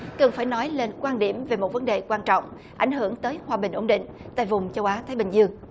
cần phải nói lên quan điểm về một vấn đề quan trọng ảnh hưởng tới hòa bình ổn định tại vùng châu á thái bình dương